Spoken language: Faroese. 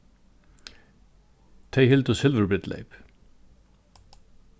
tey hildu silvurbrúdleyp